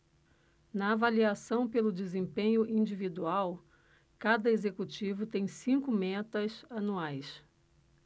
na avaliação pelo desempenho individual cada executivo tem cinco metas anuais